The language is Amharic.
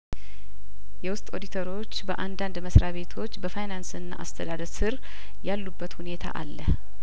የውስጥ ኦዲተሮች በአንዳንድ መስሪያ ቤቶች በፋይናንስና አስተዳደር ስር ያሉበት ሁኔታ አለ